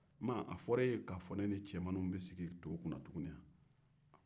a fɔra e ye k'a fɔ ne ni cɛmannin bɛ sigi to kunna tuguni wa